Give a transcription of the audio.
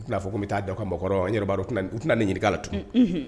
U n'a fɔ bɛ taaa da ka bɔ kɔrɔ yɛrɛ b'a u tɛna ne ɲini' la tun